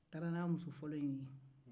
a taara n'a muso fɔlɔ in ye yen